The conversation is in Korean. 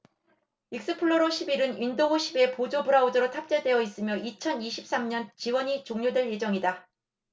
익스플로러 십 일 은 윈도 십 에 보조 브라우저로 탑재되어 있으며 이천 이십 삼 년 지원이 종료될 예정이다